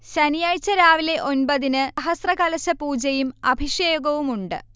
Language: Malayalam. ശനിയാഴ്ച രാവിലെ ഒൻപതിന് സഹസ്രകലശപൂജയും അഭിഷേകവുമുണ്ട്